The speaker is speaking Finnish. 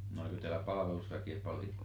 no oliko teillä palvelusväkeä paljonko